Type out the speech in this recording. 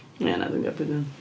Ia, na dwi'n gwybod pwy 'di o.